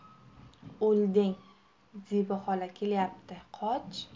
o'lding zebi xola kelyapti qoch